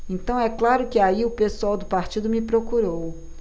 então é claro que aí o pessoal do partido me procurou